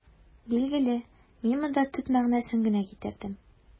Билгеле, мин монда төп мәгънәсен генә китердем.